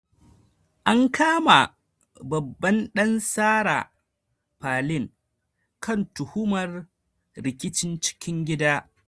An kama babban dan Sarah Palin kan tuhumar rikicin cikin gida